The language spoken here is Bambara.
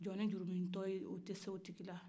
jon ni jurumuntɔ tɛ se o tigi la